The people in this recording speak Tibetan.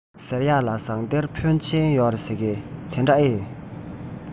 ཟེར ཡས ལ ཟངས གཏེར འཕོན ཆེན ཡོད རེད ཟེར གྱིས དེ འདྲ ཨེ ཡིན